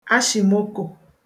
ashị̀mokò